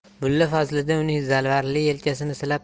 mulla fazliddin uning zalvarli yelkasini silab